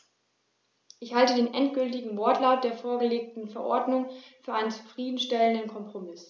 Ich halte den endgültigen Wortlaut der vorgelegten Verordnung für einen zufrieden stellenden Kompromiss.